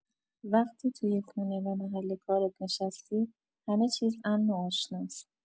وقتی تو خونه و محل کارت نشستی، همه‌چیز امن و آشناست.